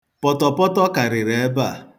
Pọtọpọtọ karịrị ebe a.